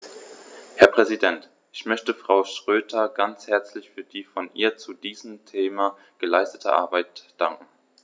Herr Präsident, ich möchte Frau Schroedter ganz herzlich für die von ihr zu diesem Thema geleistete Arbeit danken.